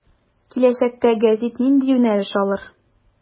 Киләчәктә гәзит нинди юнәлеш алыр.